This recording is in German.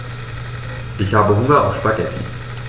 Ich habe Hunger auf Spaghetti.